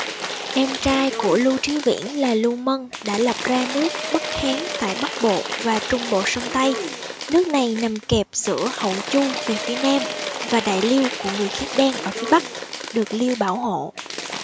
em trai của lưu trí viễn là lưu mân đã lập ra nước bắc hán tại bắc bộ và trung bộ sơn tây nước này nằm kẹp giữa hậu chu về phía nam và đại liêu của người khiết đan ở phía bắc được liêu bảo hộ